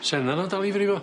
Senna na'n dal i frifo?